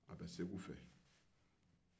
a bɛ segu fɛ